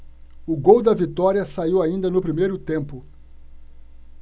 o gol da vitória saiu ainda no primeiro tempo